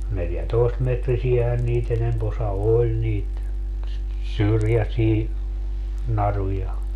neljätoistametrisiähän niitä enempi osa oli niitä syrjäisiä naruja